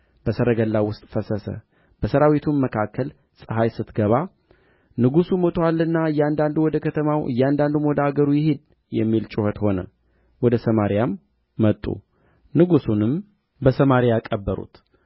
በሰረገላው ውስጥ ፈሰሰ በሠራዊቱም መካከል ፀሐይ ስትገባ ንጉሡ ሞቶአልና እያንዳንዱ ወደ ከተማው እያንዳንዱም ወደ አገሩ ይሂድ የሚል ጩኸት ሆነ ወደ ሰማርያም መጡ ንጉሡንም በሰማርያ ቀበሩት